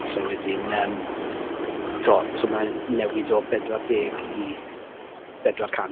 So wedyn yym tibod, so ma'n newid o bedwar deg i bedwar cant.